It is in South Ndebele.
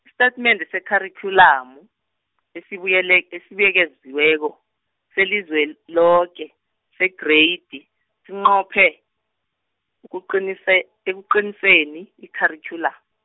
isitatimende seKharikhyulamu, esiBuyel- esibuyekeziweko, seliZweloke, seGreyidi sinqophe, ukuqinisek- ekuqiniseni ikharikhyulamu.